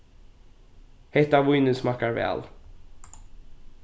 hetta vínið smakkar væl